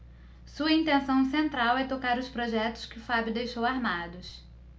sua intenção central é tocar os projetos que o fábio deixou armados